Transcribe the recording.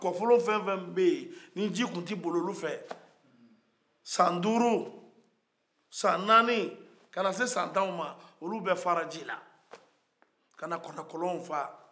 kɔfplon fɛn o fɛn bɛ yen ko ji tun tɛ boli o fɛ san duuru san naani kana se san tanw man olu bɛɛ fara ji la a na kana kɔlɔnw fa